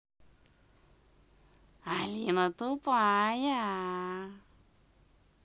алина тупая